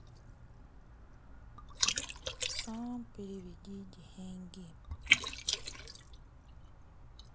сам переведи деньги